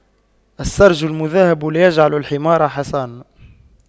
السَّرْج المُذهَّب لا يجعلُ الحمار حصاناً